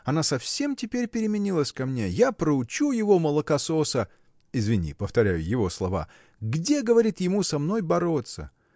Она совсем теперь переменилась ко мне. Я проучу его молокососа – извини повторяю его слова – где говорит ему со мной бороться?